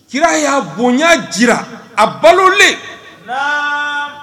Kira y'a bonya jira a balolen